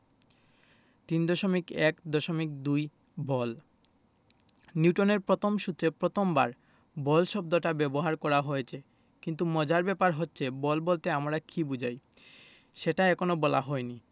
৩.১.২ বল নিউটনের প্রথম সূত্রে প্রথমবার বল শব্দটা ব্যবহার করা হয়েছে কিন্তু মজার ব্যাপার হচ্ছে বল বলতে আমরা কী বোঝাই সেটা এখনো বলা হয়নি